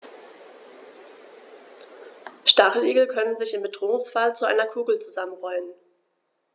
Stacheligel können sich im Bedrohungsfall zu einer Kugel zusammenrollen.